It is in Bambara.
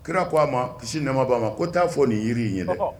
Kira ko a ma kisi nɛma a ma ko t taaa fɔ nin jiri ɲɛna